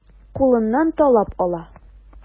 Кулыннан талап ала.